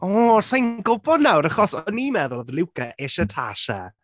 O, sa i’n gwybod nawr achos o’n i’n meddwl oedd Luca isie Tasha.